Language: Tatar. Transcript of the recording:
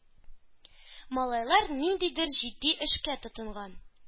Малайлар ниндидер җитди эшкә тотынган